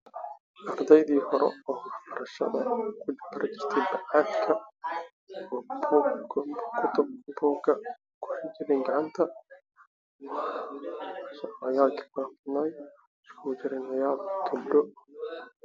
Waa arday banaan wax ku barnaayo